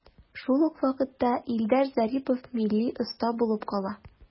Шул ук вакытта Илдар Зарипов милли оста булып кала.